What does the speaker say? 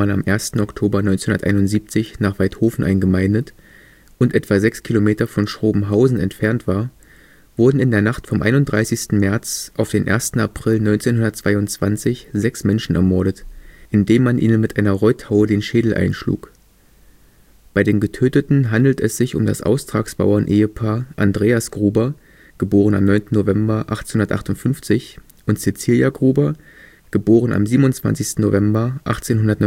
am 1. Oktober 1971 nach Waidhofen eingemeindet) in Oberbayern lag und etwa sechs Kilometer von Schrobenhausen entfernt war, wurden in der Nacht vom 31. März auf den 1. April 1922 sechs Menschen ermordet, indem man ihnen mit einer Reuthaue den Schädel einschlug. Bei den Getöteten handelt es sich um das Austragsbauernehepaar Andreas (* 9. November 1858) und Cäzilia (* 27. November 1849